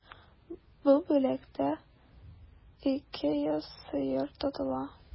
Бу бүлектә 200 сыер тотыла.